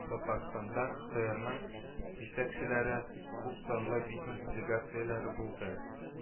Татарстанда КХРның җитәкчеләре, күп санлы бизнес-делегацияләре булды